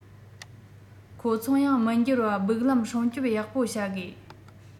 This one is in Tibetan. ཁོང ཚོ ཡང མི འགྱུར བ སྦུག ལམ སྲུང སྐྱོང ཡག པོ བྱ དགོས